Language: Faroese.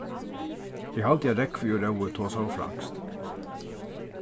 eg haldi at rógvi og rói tosaðu franskt